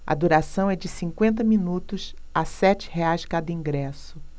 a duração é de cinquenta minutos a sete reais cada ingresso